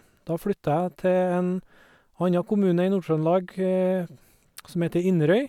Da flytta jeg til en anna kommune i Nord-Trøndelag som heter Inderøy.